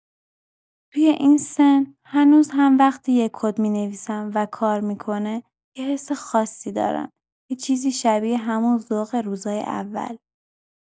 توی این سن، هنوز هم وقتی یه کد می‌نویسم و کار می‌کنه، یه حس خاصی دارم، یه چیزی شبیه همون ذوق روزای اول.